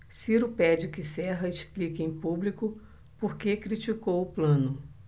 ciro pede que serra explique em público por que criticou plano